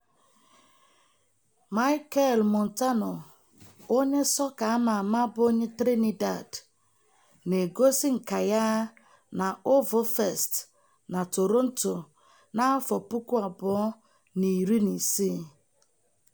Michel Montano onye sọka a ma-ama bụ onye Trinidad na-egosi nka ya na OVO Fest na Toronto na 2016. FOTO: The Come Up Show (CC BY-ND 2.0)